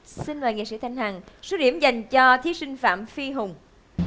xin mời nghệ sĩ thanh hằng số điểm dành cho thí sinh phạm phi hùng